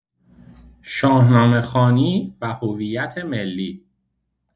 شاهنامه‌خوانی و هویت ملی